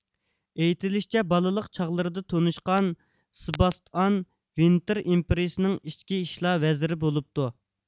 ئېيتىلىشىچە بالىلىق چاغلىرىدا تونۇشقان سباستئان ۋىنتر ئىمپرىيىسىنىڭ ئىچكى ئىشلار ۋەزىرى بولۇپتۇ